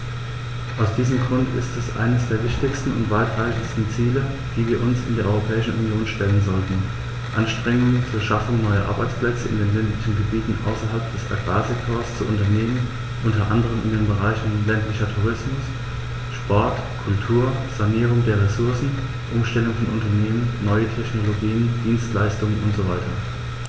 Aus diesem Grund ist es eines der wichtigsten und weitreichendsten Ziele, die wir uns in der Europäischen Union stellen sollten, Anstrengungen zur Schaffung neuer Arbeitsplätze in den ländlichen Gebieten außerhalb des Agrarsektors zu unternehmen, unter anderem in den Bereichen ländlicher Tourismus, Sport, Kultur, Sanierung der Ressourcen, Umstellung von Unternehmen, neue Technologien, Dienstleistungen usw.